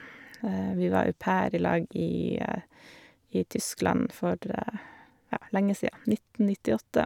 Vi var au pair i lag i i Tyskland for, ja, lenge sia, nitten nittiåtte.